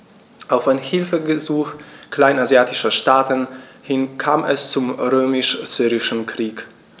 Auf ein Hilfegesuch kleinasiatischer Staaten hin kam es zum Römisch-Syrischen Krieg.